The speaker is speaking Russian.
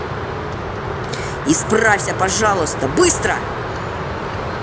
исправься пожалуйста быстро